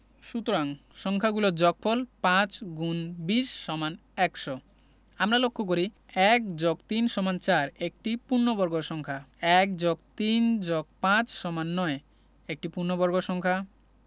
সুতরাং সংখ্যা গুলোর যগফল ৫*২০=১০০ আমরা লক্ষ করি ১+৩=৪ একটি পূর্ণবর্গ সংখ্যা ১+৩+৫=৯ একটি পূর্ণবর্গ সংখ্যা